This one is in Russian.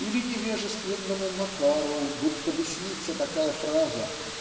Или невежественному Макару будто бы снится такая фраза